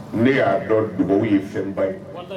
Ne y'a dɔn du ye fɛnba ye